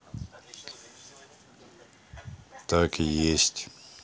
так и есть